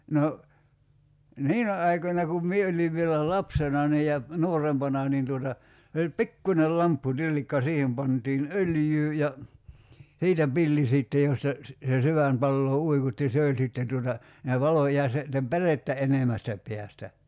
no niinä aikoina kun minä olin vielä lapsena niin ja nuorempana niin tuota se oli pikkuinen lampputillikka siihen pantiin öljyä ja siitä pilli sitten josta se se sydän palaa uikutti se oli sitten tuota siinä valo ja se sitten pärettä enemmästä päästä